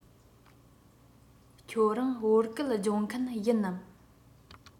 ཁྱོད རང བོད སྐད སྦྱོང མཁན ཡིན ནམ